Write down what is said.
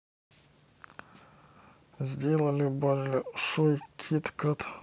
сделали большой кит кат